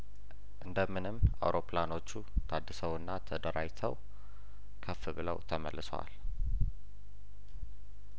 እንደምንም አውሮፕላኖቹ ታድ ሰውና ተደራጅተው ከፍ ብለው ተመልሰዋል